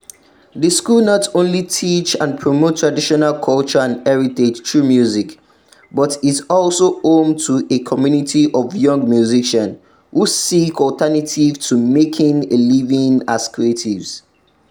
The school not only teaches and promotes traditional culture and heritage through music, but it's also home to a community of young musicians who seek alternatives to making a living as creatives.